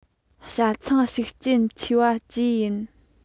བྱ ཚང ཤུགས རྐྱེན ཆེ བ བཅས ཡིན